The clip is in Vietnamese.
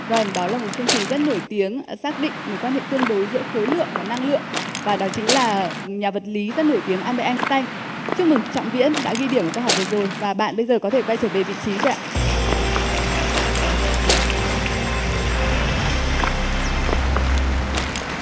vầng đó là một phương trình rất nổi tiếng xác định mối quan hệ tương đối giữa khối lượng và năng lượng và đó chính là nhà vật lý rất nổi tiếng a be anh xờ tanh chúc mừng trọng viễn đã ghi điểm ở câu hỏi vừa rồi và bạn bây giờ có thể quay trở về vị trí rồi ạ ạ